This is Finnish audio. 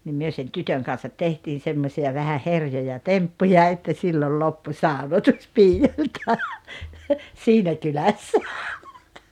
niin me sen tytön kanssa tehtiin semmoisia vähän herjoja temppuja että silloin loppui saunotus piioilta siinä kylässä